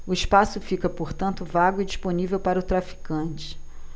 o espaço fica portanto vago e disponível para o traficante